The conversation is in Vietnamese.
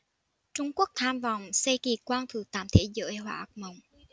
trung quốc tham vọng xây kỳ quan thứ tám thế giới hóa ác mộng